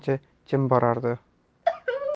tutganicha jim borardi